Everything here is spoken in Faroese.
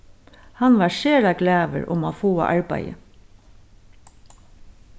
hann var sera glaður um at fáa arbeiðið